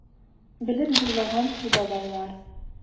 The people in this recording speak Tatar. Белеп җырлаган шул бабайлар...